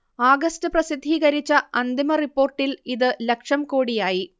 ആഗസ്ത് പ്രസിദ്ധീകരിച്ച അന്തിമ റിപ്പോർട്ടിൽ ഇത് ലക്ഷം കോടിയായി